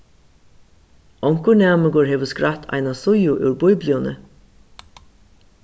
onkur næmingur hevur skrætt eina síðu úr bíbliuni